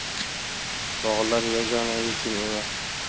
bog'lar yagona yechim emas